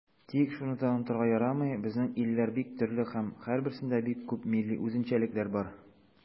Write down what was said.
Тик шуны да онытырга ярамый, безнең илләр бик төрле һәм һәрберсендә бик күп милли үзенчәлекләр бар.